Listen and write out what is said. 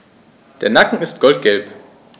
Der Nacken ist goldgelb.